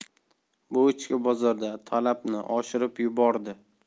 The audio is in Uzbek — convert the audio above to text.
bu ichki bozorda talabni oshirib yubordi